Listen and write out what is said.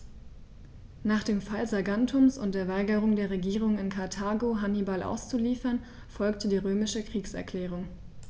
Nach dem Fall Saguntums und der Weigerung der Regierung in Karthago, Hannibal auszuliefern, folgte die römische Kriegserklärung.